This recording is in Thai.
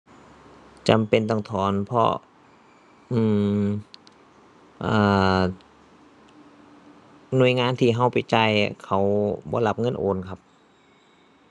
จำเป็นต้องถอน เพราะ อือ อ่า หน่วยงานที่เราไปจ่ายอะ เขาบ่รับเงินโอนครับ